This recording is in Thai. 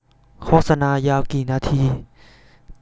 โฆษณายาวกี่นาที